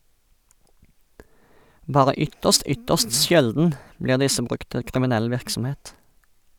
Bare ytterst, ytterst sjelden blir disse brukt til kriminell virksomhet.